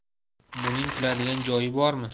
buning kuladigan joyi bormi